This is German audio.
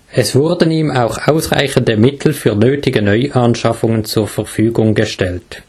Es wurden ihm auch ausreichende Mittel für nötige Neuanschaffungen zur Verfügung gestellt